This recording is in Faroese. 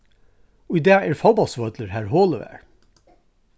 í dag er fótbóltsvøllur har holið var